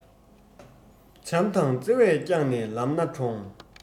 བྱམས དང བརྩེ བས བསྐྱངས ནས ལས སྣ དྲོངས